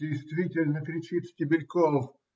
- действительно кричит Стебельков.